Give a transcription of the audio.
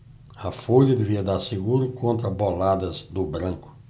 a folha devia dar seguro contra boladas do branco